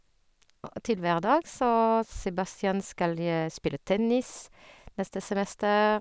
Og til hverdags, så Sebastian skal je spille tennis neste semester.